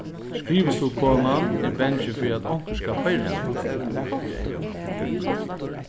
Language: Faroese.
skrivstovukonan er bangin fyri at onkur skal hoyra hana